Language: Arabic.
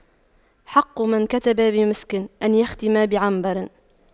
حق من كتب بمسك أن يختم بعنبر